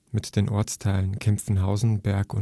mit den Ortsteilen Kempfenhausen, Berg